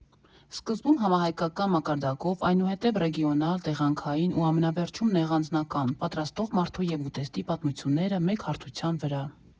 Սկզբում՝ համահայկական մակարդակով, այնուհետև ռեգիոնալ, տեղանքային ու ամենավերջում՝ նեղանձնական (պատրաստող մարդու և ուտեստի պատմությունները՝ մեկ հարթության վրա)։